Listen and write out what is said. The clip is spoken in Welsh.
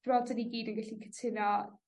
bron 'dyn ni gyd yn gallu cytuno